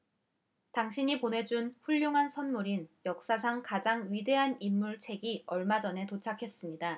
당신이 보내 준 훌륭한 선물인 역사상 가장 위대한 인물 책이 얼마 전에 도착했습니다